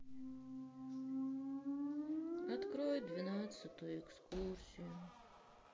открой двенадцатую экскурсию